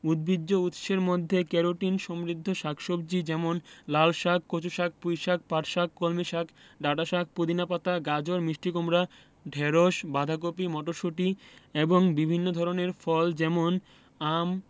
উদ্ভিজ্জ উৎসের মধ্যে ক্যারোটিন সমৃদ্ধ শাক সবজি যেমন লালশাক কচুশাক পুঁইশাক পাটশাক কলমিশাক ডাঁটাশাক পুদিনা পাতা গাজর মিষ্টি কুমড়া ঢেঁড়স বাঁধাকপি মটরশুঁটি এবং বিভিন্ন ধরনের ফল যেমন আম